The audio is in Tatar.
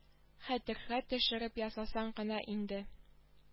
Хәтергә төшереп ясасаң гына инде